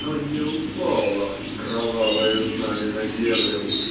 Но не упало кровавое знамя на землю